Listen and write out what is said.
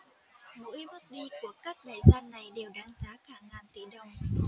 mỗi bước đi của các đại gia này đều đáng giá cả ngàn tỷ đồng